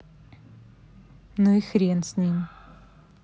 ну и хрен с ним